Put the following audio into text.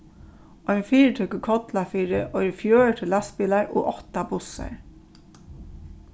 ein fyritøka í kollafirði eigur fjøruti lastbilar og átta bussar